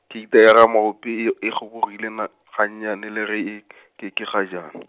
keiti ya gaMogope e, e kgobogile na-, gannyane le ge e ke, ke kgajana.